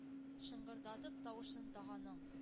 Шыңгырдатып тавышын даганың